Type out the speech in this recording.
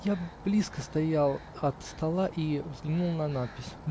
Я близко стоял от стола и взглянул на надпись.